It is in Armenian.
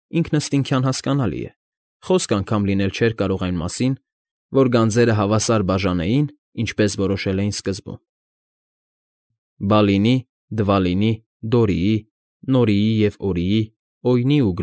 Ինքնըստինքյան հասկանալի է, խոսք անգամ լինել չէր կարող այն մասին, որ գանձերը հավասար բաժանեին. ինչպես որոշել էին սկզբում, Բալինի, Դվալինի, Դորիի, Նորիի և Օրիի, Օյնի ու։